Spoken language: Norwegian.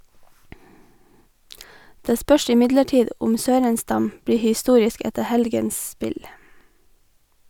Det spørs imidlertid om Sörenstam blir historisk etter helgens spill.